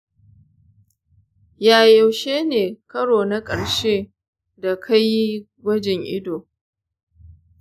ya yaushe ne karo na karshe da ka yi gwajin ido?